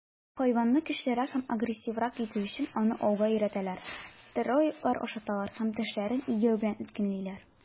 Хайванны көчлерәк һәм агрессиврак итү өчен, аны ауга өйрәтәләр, стероидлар ашаталар һәм тешләрен игәү белән үткенлиләр.